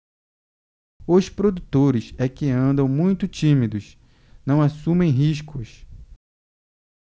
os produtores é que andam muito tímidos não assumem riscos